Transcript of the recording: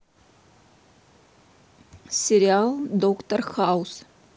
сериал доктор хаус